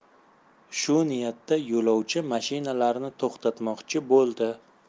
shu niyatda yo'lovchi mashinalarni to'xtatmoqchi bo'ldi